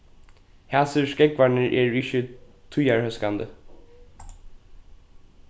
hasir skógvarnir eru ikki tíðarhóskandi